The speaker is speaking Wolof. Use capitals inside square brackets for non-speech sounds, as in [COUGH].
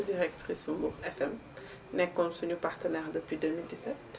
directrice su Mbour FM [BLOWS AIR] nekkoon suñu partenaire depuis 2017